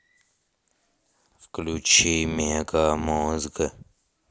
включи мегамозг